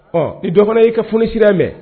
Ɔ i dɔgɔ kɔnɔ y'i ka foni sira mɛn